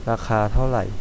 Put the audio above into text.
ราคาเท่าไร